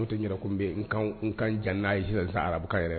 N'o tɛ n yɛrɛ kun bɛ yen,n ka n kan jan n'a ye sisan sisan arabukan yɛrɛ